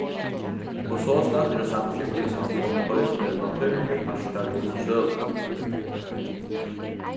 og sostatt eru samskifti og sambond eisini natúrligir partar í hesi søguni